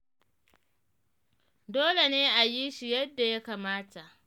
Dole ne a yi shi yadda ya kamata.